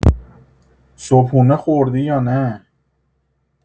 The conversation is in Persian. صبحونه خوردی یا نه؟